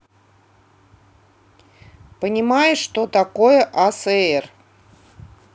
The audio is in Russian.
понимаешь что такое acp